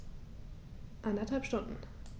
Eineinhalb Stunden